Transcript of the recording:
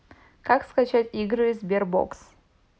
как скачать игры sberbox